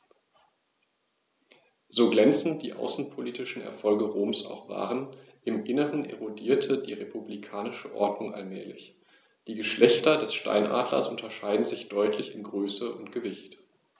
So glänzend die außenpolitischen Erfolge Roms auch waren: Im Inneren erodierte die republikanische Ordnung allmählich. Die Geschlechter des Steinadlers unterscheiden sich deutlich in Größe und Gewicht.